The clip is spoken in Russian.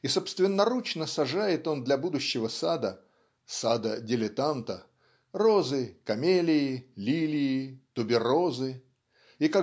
и собственноручно сажает он для будущего сада "сада-дилетанта" розы камелии лилии туберозы и